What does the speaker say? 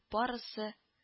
Барысы